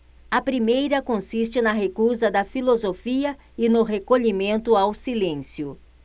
a primeira consiste na recusa da filosofia e no recolhimento ao silêncio